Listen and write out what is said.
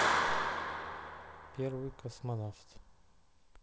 первый космонавт